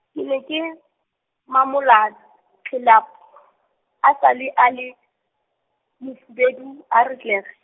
ke ne ke, mamola, tlelapa, a sale a le, mofubedu, a re tlere.